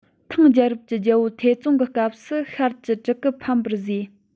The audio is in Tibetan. ཐང རྒྱལ རབས ཀྱི རྒྱལ པོ ཐའེ ཙུང གི སྐབས སུ ཤར གྱི དྲུ གུ ཕམ པར བཟོས